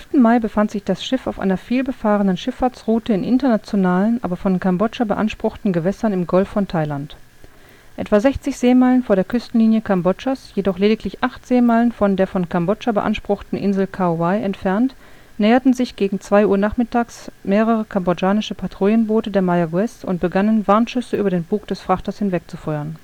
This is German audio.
Mai befand sich das Schiff auf einer viel befahrenen Schifffahrtsroute in internationalen, aber von Kambodscha beanspruchten Gewässern im Golf von Thailand. Etwa 60 Seemeilen vor der Küstenline Kambodschas, jedoch lediglich acht Seemeilen von der von Kambodscha beanspruchten Insel Kao-Wai entfernt, näherten sich gegen zwei Uhr nachmittags mehrere kambodschanische Patrouillenboote der Mayaguez und begannen, Warnschüsse über den Bug des Frachters hinwegzufeuern